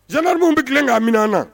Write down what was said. Jankamew bɛ kelen ka min na